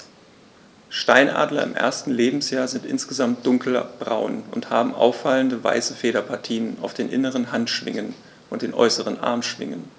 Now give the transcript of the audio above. Steinadler im ersten Lebensjahr sind insgesamt dunkler braun und haben auffallende, weiße Federpartien auf den inneren Handschwingen und den äußeren Armschwingen.